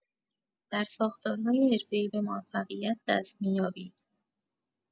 در ساختارهای حرفه‌ای به موفقیت دست می‌یابید.